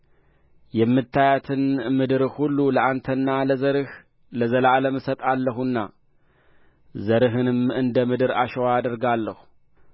የምታያትን ምድር ሁሉ ለአንተና ለዘርህ ለዘላለም እሰጣለሁና ዘርህንም እንደ ምድር አሸዋ አደርጋለሁ